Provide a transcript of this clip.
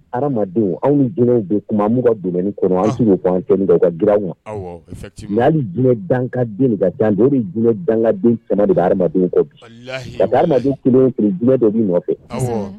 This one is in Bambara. Aramadenw anw ni jinɛw be kuma an b'u ka domaine kɔnɔ an ti se k'o fɔ antenne kan o ka gir'aw ma awɔ effectivement mais hali jinɛ dankaden de ka can bi e bi jinɛ daŋaden caman de be hadamaden kɔ bi walahi walahi parce que hadamaden 1 o 1 jinɛ dɔ b'i nɔfɛ awɔ kɔsɛbɛ